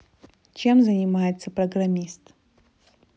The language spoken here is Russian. чем занимается программист